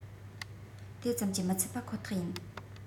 དེ ཙམ གྱིས མི ཚད པ ཁོ ཐག ཡིན